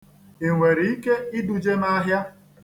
I nwere ike iduje m ahịa?